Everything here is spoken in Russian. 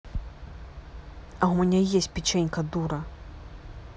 а у меня есть печенька дура